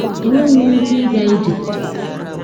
Enwenwughi ike ịga ije.